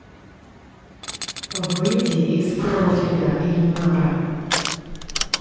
выйди из профиля ильнара